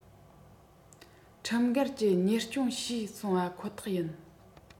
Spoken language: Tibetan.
ཁྲིམས འགལ གྱིས གཉེར སྐྱོང བྱས སོང པ ཁོ ཐག རེད